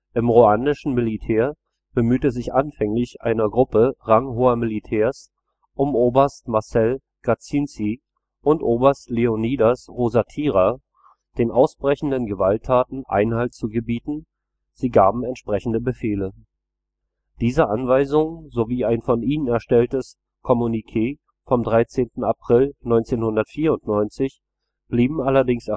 Im ruandischen Militär bemühte sich anfänglich eine Gruppe ranghoher Militärs um Oberst Marcel Gatsinzi und Oberst Léonidas Rusatira, den ausbrechenden Gewalttaten Einhalt zu gebieten, sie gaben entsprechende Befehle. Diese Anweisungen sowie ein von ihnen erstelltes Kommuniqué vom 13. April 1994 blieben allerdings